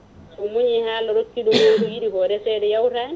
so muñi ha Allah rookiɓe ko yiiɗi ko resede yawtani